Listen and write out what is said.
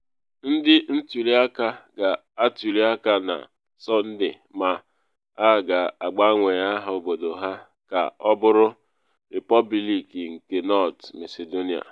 Ndị ntuli aka ga-atuli aka na Sọnde ma a ga-agbanwe aha obodo ha ka ọ bụrụ “Repọbliki nke North Macedonia.”